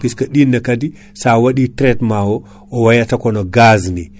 puisque ɗinne kaadi sa waɗi traitement o o wayata kono gaz ni